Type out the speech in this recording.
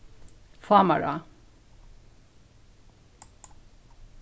fámará